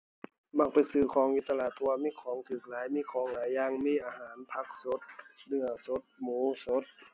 มักไปซื้อของอยู่ตลาด เพราะว่ามีของถูกหลาย มีของหลายอย่าง มีอาหาร ผักสด เนื้อสด หมูสด